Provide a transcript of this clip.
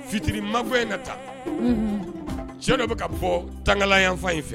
Fitiri makɔ ye ka taa cɛ dɔ bɛ ka bɔ tangalan yanfan in fɛ